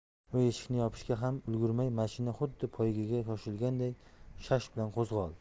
u eshikni yopishga ham ulgurmay mashina xuddi poygaga shoshilganday shasht bilan qo'zg'oldi